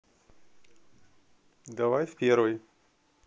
давай в первый